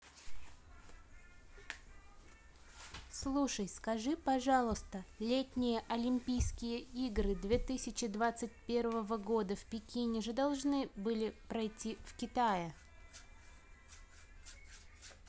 слушай скажи пожалуйста летние олимпийские игры две тысячи двадцать первого года в пекине же должны были пройти в китае